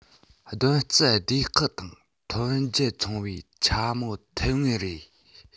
བསྡོམས རྩིས སྡེ ཁག དང ཐོན འབྱེད ཚོང པས འཕྱ སྨོད ཐེབས ངེས རེད